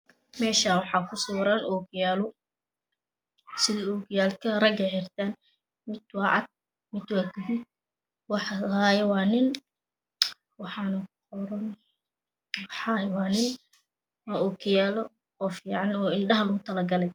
Meshan waxa kusibiran o kiyalo Sida okiyalka araga ay xirtan mid wacamid wa gudud waxa hayo wa nin waxa kuQoran Waxa hayo wa nin wa okiyalo fican oo indhaha logu talgalay